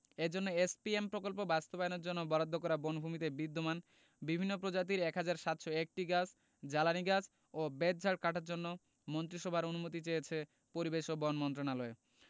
এজন্য এসপিএম প্রকল্প বাস্তবায়নের জন্য বরাদ্দ করা বনভূমিতে বিদ্যমান বিভিন্ন প্রজাতির ১ হাজার ৭০১টি গাছ জ্বালানি গাছ ও বেতঝাড় কাটার জন্য মন্ত্রিসভার অনুমতি চেয়েছে পরিবেশ ও বন মন্ত্রণালয়